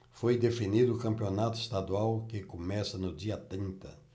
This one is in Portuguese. foi definido o campeonato estadual que começa no dia trinta